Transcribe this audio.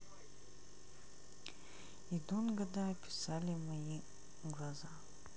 идут года писали мои глаза